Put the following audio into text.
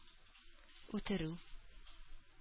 Үтерү